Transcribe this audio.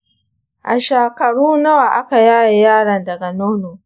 a shakaru nawa aka yaye yaron daga nono?